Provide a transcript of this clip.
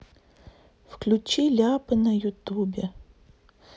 включи ляпы на ютубе